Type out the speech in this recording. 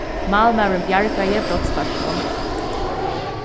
málmaðurin bjargaði brotssparkinum